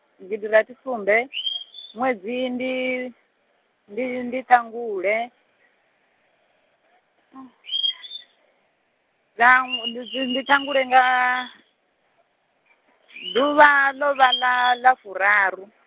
gidirathisumbe ṅwedzi ndi, ndi ṱhangule, dza ndi dzi ndi ṱhangule nga, ḓuvha ḽo vha ḽa ḽa furaru.